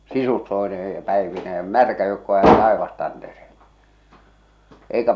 sisustoineen ja päivineen ja märkä joukko jäi taivastantereelle eikä